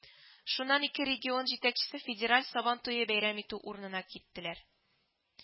Шуннан ике регион җитәкчесе федераль сабан туен бәйрәм итү урынына киттеләр